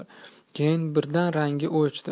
keyin birdan rangi o'chdi